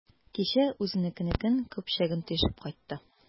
Кичә үзенекенең көпчәген тишеп кайтты.